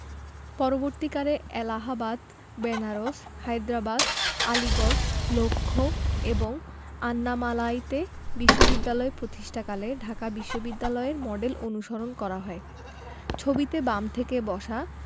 পরবর্তীকালে এলাহাবাদ বেনারস হায়দ্রাবাদ আলীগড় লক্ষৌ এবং আন্নামালাইতে বিশ্ববিদ্যালয় প্রতিষ্ঠাকালে ঢাকা বিশ্ববিদ্যালয়ের মডেল অনুসরণ করা হয় ছবিতে বাম থেকে বসা